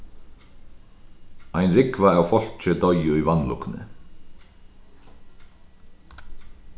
ein rúgva av fólki doyði í vanlukkuni